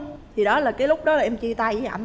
thì đó là cái lúc đó là em chia tay với ảnh